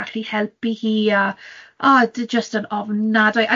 gallu helpu hi, a o, oedd e jyst yn ofnadwy.